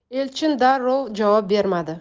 elchin darrov javob bermadi